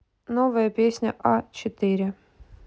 новая песня а четыре